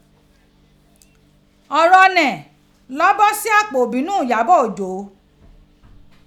Ọrọ ni lo bọ si apo ibinu Iyabo Ojo.